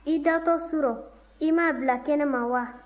i datɔ su rɔ i m'a bila kɛnɛ ma wa